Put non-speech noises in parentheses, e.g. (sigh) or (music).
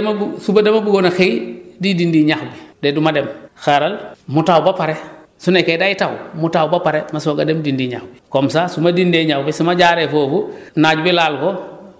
oubien nga ne xaaral tey dama bu suba dama bëggoon a xëy di dindi ñax bi du ma dem xaaral mu taw ba pare su nekkee day taw mu taw ba pare ma soog a dem dindi ñax bi comme ça su ma dindee ñax bi su ma jaaree foofu (breath) naaj bi laal ko